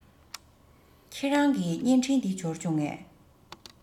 ཁྱེད རང གི བརྙན འཕྲིན དེ འབྱོར བྱུང ངས